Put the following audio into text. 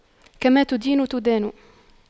كما تدين تدان